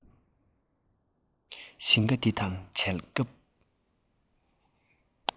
ཞིང ཁ འདི དང བྲལ སྐབས